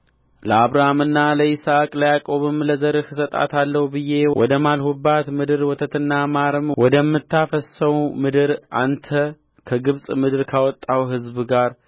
ለአብርሃምና ለይስሐቅ ለያዕቆብም ለዘርህ እሰጣታለሁ ብዬ ወደ ማልሁባት ምድር ወተትና ማርም ወደምታፈስሰው ምድር አንተ ከግብፅ ምድር ካወጣኸው ሕዝብ ጋር